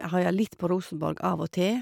Jeg heier litt på Rosenborg av og til.